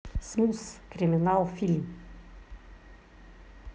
смус криминал фильм